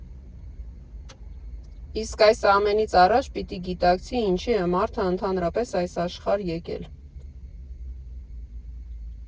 Իսկ այս ամենից առաջ պիտի գիտակցի՝ ինչի է մարդն, ընդհանրապես, այս աշխարհ եկել։